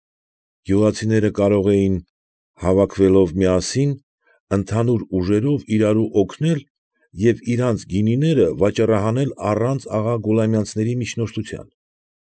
Գյուղացիները կարող էին, հավաքվելով միասին, ընդհանուր ուժերով իրարու օգնել և իրանց գինիները վաճառահանել առանց աղա Գուլամյանցների միջնորդության։